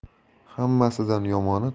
hammasidan yomoni